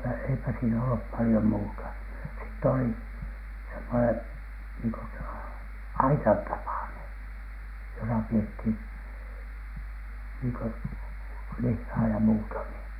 no eipä eipä siinä ollut paljon muuta sitten oli semmoinen niin kuin - aitan tapainen jossa pidettiin niin kuin lihaa ja muuta niin